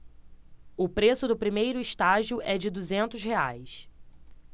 o preço do primeiro estágio é de duzentos reais